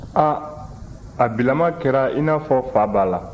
a a bilama kɛra i n'a fɔ fa b'a la